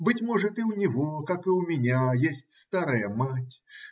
Быть может, и у него, как у меня, есть старая мать.